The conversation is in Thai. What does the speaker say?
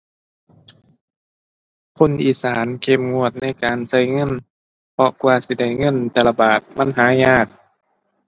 คนอีสานเข้มงวดในการใช้เงิน เพราะกว่าสิได้เงินแต่ละบาทมันหายาก